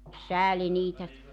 sääli niitä